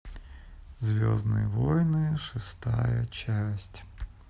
звездные войны шестая часть